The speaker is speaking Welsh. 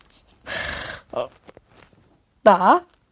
O na!